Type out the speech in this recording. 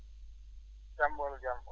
jam ɓolo jam ɓolo